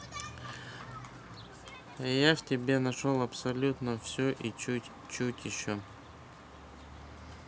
я в тебе нашел абсолютно все и чуть чуть еще